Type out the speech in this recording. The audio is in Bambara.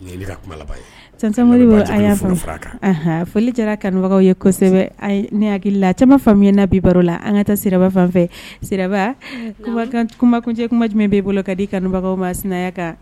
Foli jara kanubagaw ye kosɛbɛ ne hakili la caman faya bi baro la an ka taa sira fan kuma jumɛn bɛe bolo ka dibagaw ma seginna kan